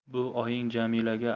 bu oying jamilaga